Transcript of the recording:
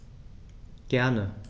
Gerne.